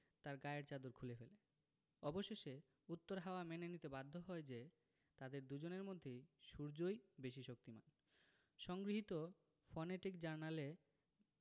তার গায়ের চাদর খুলে ফেলে অবশেষে উত্তর হাওয়া মেনে নিতে বাধ্য হয় যে তাদের দুজনের মধ্যে সূর্যই বেশি শক্তিমান সংগৃহীত ফনেটিক জার্নালে